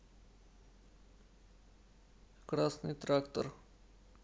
красный трактор